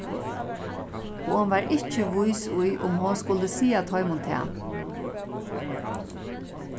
hon var ikki vís í um hon skuldi siga teimum tað